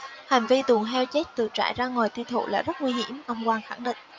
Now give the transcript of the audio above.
hành vi tuồn heo chết từ trại ra ngoài tiêu thụ là rất nguy hiểm ông quang khẳng định